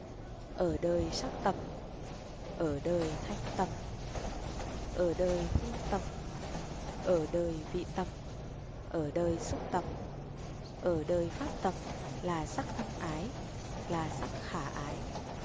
ở đời sắc tầm ở đời thanh tầm ở đời hương tầm ở đời vị tầm ở đời xúc tầm ở đời pháp tầm là sắc thân ái là sắc khả ái